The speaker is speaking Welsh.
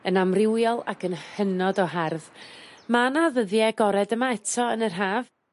yn amrywiol ac yn hynod o hardd ma' 'na ddyddie agored yma eto yn yr haf,